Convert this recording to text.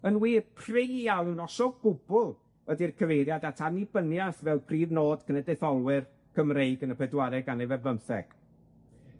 Yn wir, prin iawn, os o gwbwl, ydi'r cyfeiriad at annibyniath fel prif nod cenedlaetholwyr Cymreig yn y pedwaredd ganrif ar bymtheg.